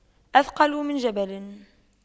أثقل من جبل